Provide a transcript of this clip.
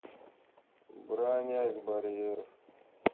броня из барьеров